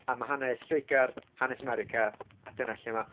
A ma' hanes Lloegr, hanes America, a dyna lle ma'...